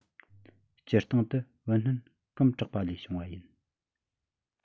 སྤྱིར བཏང དུ བུ སྣོད བསྐུམས དྲགས པ ལས བྱུང བ ཡིན